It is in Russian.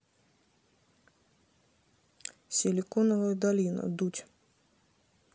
силиконовая долина дудь